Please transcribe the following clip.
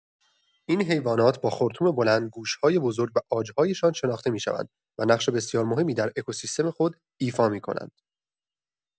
این حیوانات با خرطوم بلند، گوش‌های بزرگ و عاج‌هایشان شناخته می‌شوند و نقش بسیار مهمی در اکوسیستم خود ایفا می‌کنند.